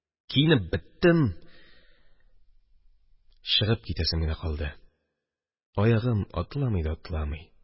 Киенеп беттем, чыгып китәсе генә калды, ә аягым атламый да атламый. Т